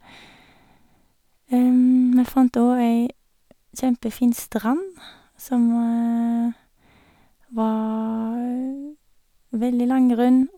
Vi fant òg ei kjempefin strand som var veldig langgrunn.